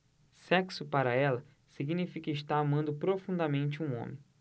sexo para ela significa estar amando profundamente um homem